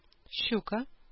Щука